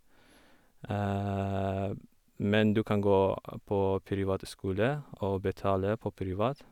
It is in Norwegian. Men du kan gå på privat skole og betale på privat.